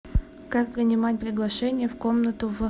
как принимать приглашение в комнату в